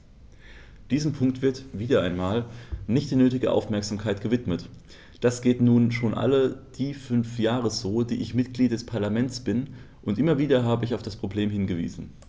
Diesem Punkt wird - wieder einmal - nicht die nötige Aufmerksamkeit gewidmet: Das geht nun schon all die fünf Jahre so, die ich Mitglied des Parlaments bin, und immer wieder habe ich auf das Problem hingewiesen.